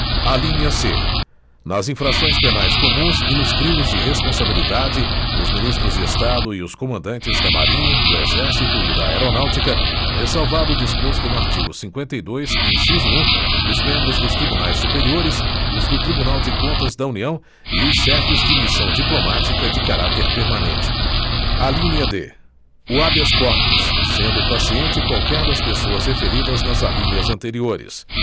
alínea c nas infrações penais comuns e nos crimes de responsabilidade os ministros de estado e os comandantes da marinha do exército e da aeronáutica ressalvado o disposto no artigo cinquenta e dois inciso um os membros dos tribunais superiores os do tribunal de contas da união e os chefes de missão diplomática de caráter permanente alínea d o habeas corpus sendo paciente qualquer das pessoas referidas nas alíneas anteriores